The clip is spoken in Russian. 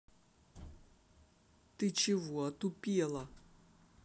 ты чего отупела